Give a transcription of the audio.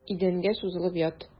Идәнгә сузылып ят.